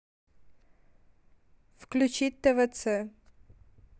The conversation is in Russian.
включить твц